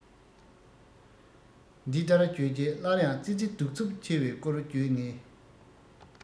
འདི ལྟར བརྗོད རྗེས སླར ཡང ཙི ཙི སྡུག རྩུབ ཆེ བའི སྐོར བརྗོད ངེས